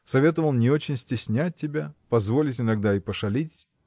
советовал не очень стеснять тебя, позволить иногда и пошалить.